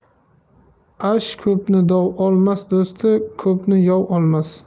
aqh ko'pni dov olmas do'sti ko'pni yov olmas